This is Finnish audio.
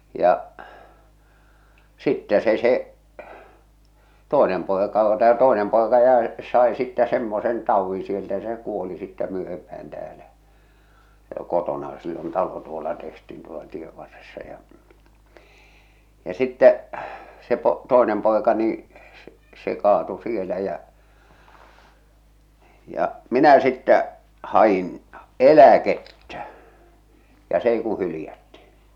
ja sitten se se toinen poika - tämä toinen poika jäi sai sitten semmoisen taudin sieltä ja se kuoli sitten myöhempään täällä kotonaan sillä on talo tuolla tehtiin tuolla tie varressa ja ja sitten se - se toinen poika niin se se kaatui siellä ja ja minä sitten hain eläkettä ja se ei kuin hylättiin